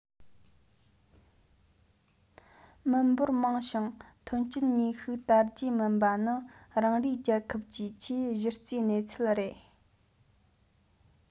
མི འབོར མང ཞིང ཐོན སྐྱེད ནུས ཤུགས དར རྒྱས མིན པ ནི རང རེའི རྒྱལ ཁབ ཀྱི ཆེས གཞི རྩའི གནས ཚུལ རེད